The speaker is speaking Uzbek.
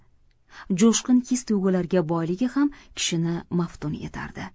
jo'shqin his tuyg'ularga boyligi ham kishini maftun etardi